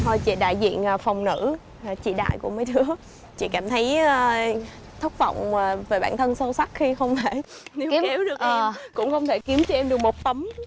thôi chị đại diện phòng nữ chị đại của mấy đứa chị cảm thấy thất vọng về bản thân sâu sắc khi không thể kiếm cũng không thể kiếm được một tấm